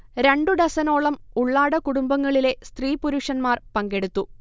രണ്ടു ഡസനോളം ഉള്ളാട കുടുംബങ്ങളിലെ സ്ത്രീ-പുരുഷന്മാർ പങ്കെടുത്തു